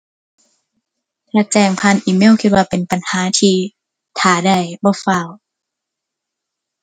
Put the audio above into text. มาแจ้งผ่านอีเมล คิดว่าเป็นปัญหาที่ท่าได้ บ่ฟ้าว